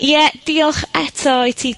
Ie, diolch eto i ti...